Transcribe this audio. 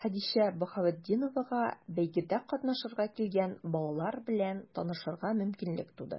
Хәдичә Баһаветдиновага бәйгедә катнашырга килгән балалар белән танышырга мөмкинлек туды.